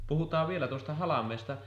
puhutaan vielä tuosta halmeesta